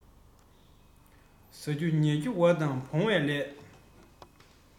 ཟ རྒྱུ ཉལ རྒྱུ བ དང བོང བའི ལས